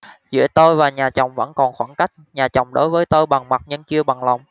giữa tôi và nhà chồng vẫn còn khoảng cách nhà chồng đối với tôi bằng mặt nhưng chưa bằng lòng